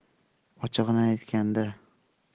ochig'ini aytganda